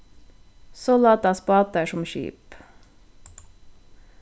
so látast bátar sum skip